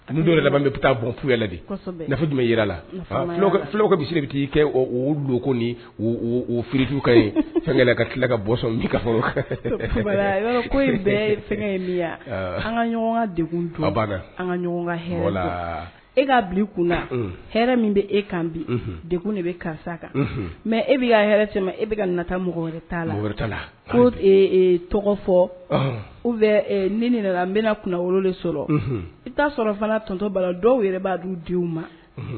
N dɔw bɛ taa bɔya de tun bɛ jira la fula bɛsiri k i kɛ dutu ka ka ka bɔ fɛn min ɲɔgɔn la e ka kun hɛrɛ min bɛ e kan bi de kun de bɛ karisa kan mɛ e bɛ ka e kata mɔgɔ wɛrɛta tɔgɔ fɔ u bɛ ni nana n bɛna kun wolo sɔrɔ i' sɔrɔtɔntɔbala dɔw yɛrɛ b'a di di' ma